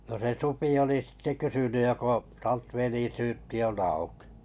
no se supi oli sitten kysynyt joko - velisyyppi on auki